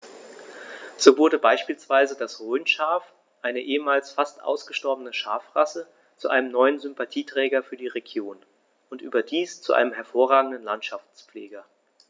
So wurde beispielsweise das Rhönschaf, eine ehemals fast ausgestorbene Schafrasse, zu einem neuen Sympathieträger für die Region – und überdies zu einem hervorragenden Landschaftspfleger.